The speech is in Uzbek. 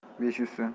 besh yuz so'm